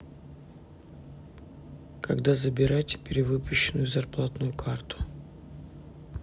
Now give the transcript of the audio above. когда забирать перевыпущенную зарплатную карту